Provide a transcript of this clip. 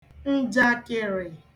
ǹjàkị̀rị̀